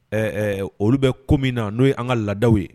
Ɛɛ olu bɛ ko min na n'o ye an ka ladaw ye